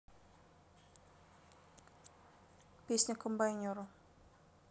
песня комбайнеры